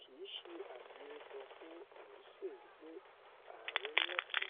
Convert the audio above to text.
Kìí ṣe àmì rere kan fún Morrisey wí pé àarẹ̵ níláti